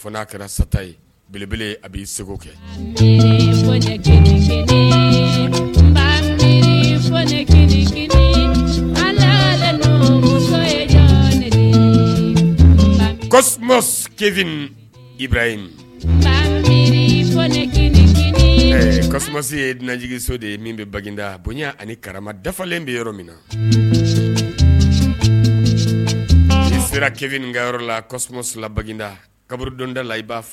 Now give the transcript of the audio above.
I se yej min bɛ bada bonya ani kara dafalen bɛ yɔrɔ min na si sera ka yɔrɔ lada kab da la i